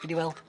Gei di weld.